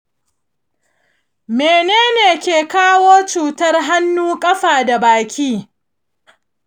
mene ne ke kawo cutar hannu, ƙafa, da baki?